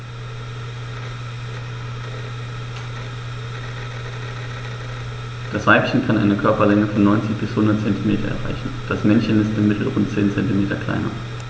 Das Weibchen kann eine Körperlänge von 90-100 cm erreichen; das Männchen ist im Mittel rund 10 cm kleiner.